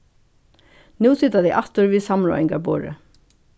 nú sita tey aftur við samráðingarborðið